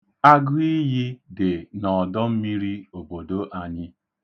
Agụiyi dị n'ọdọmmiri obodo anyị.